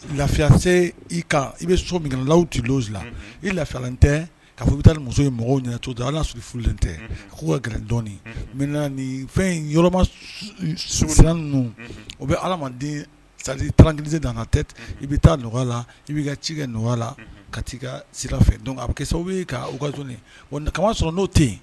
Lafiya i ka i bɛ so min la ci la i lafiyalen tɛ ka fɔ i bɛ taa muso mɔgɔw ɲɛna to la ala sigi furulen tɛ ka gɛrɛ dɔnnii ni fɛn in yɔrɔma siran o bɛ ala sase dangatɛ i bɛ taa nɔgɔya la i bɛ ci kɛ nɔgɔya la ka taa i ka sika fɛn don a kɛ ka kama sɔrɔ n'o ten yen